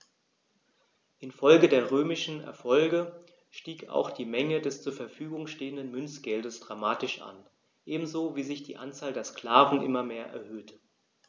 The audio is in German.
Infolge der römischen Erfolge stieg auch die Menge des zur Verfügung stehenden Münzgeldes dramatisch an, ebenso wie sich die Anzahl der Sklaven immer mehr erhöhte.